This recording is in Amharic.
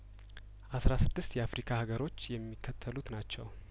አስራ ስድስት የአፍሪካ ሀገሮች የሚከተሉት ናቸው